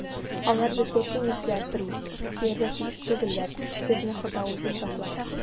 - алар безгә тимәсләр, приск, тияргә тиеш түгелләр, безне хода үзе саклар.